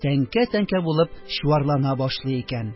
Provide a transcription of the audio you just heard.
Тәңкә-тәңкә булып чуарлана башлый.